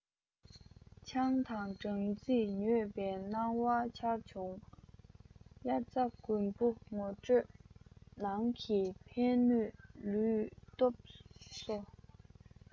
ཆང དང སྦྲང རྩིས མྱོས པའི སྣང བ འཆར བྱུང དབྱར རྩྭ དགུན འབུ ངོ སྤྲོད ནང གི ཕན ནུས ལུས སྟོབས གསོ